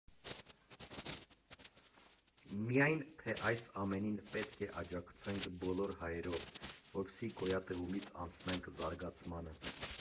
Միայն թե այս ամենին պետք է աջակցենք բոլոր հայերով, որպեսզի գոյատևումից անցնենք զարգացմանը։